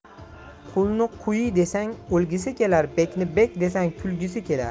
qulni qui desang o'lgisi kelar bekni bek desang kulgisi kelar